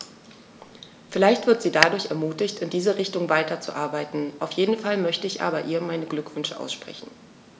Vielleicht wird sie dadurch ermutigt, in diese Richtung weiterzuarbeiten, auf jeden Fall möchte ich ihr aber meine Glückwünsche aussprechen.